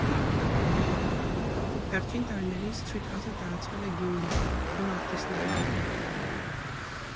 Վերջին տարիներին սթրիթ արթը տարածվել է Գյումրիում՝ նոր արտիստներ են հայտնվել։